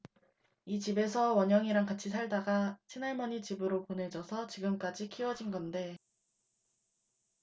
이 집에서 원영이랑 같이 살다가 친할머니 집으로 보내져서 지금까지 키워진 건데